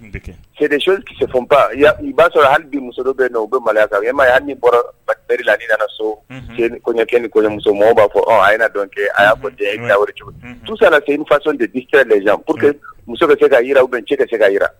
A bɛ kɛ. C'est des choses qui se font pas i b'a sɔrɔ hali bi muso dɔ bɛ yen nɔ, o bɛ maloya ka , i m'a ye hali n'i bɔra ni nana so. Unhun! Cɛ ni kɔɲɔnkɛ ni kɔɲɔnmuso mɔgɔ b'a fɔ, ɔɔ a ye na dɔn kɛ, a y'a fɔ , cogo di. Unhun! Tout ça la c'est une façon de distraire les gens pour que . Unhun! Muso ka se jira ou bien cɛ bɛ se ka jira.